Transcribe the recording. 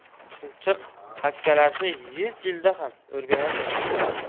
chumchuq hakkalashni yuz yilda ham o'rganolmaydi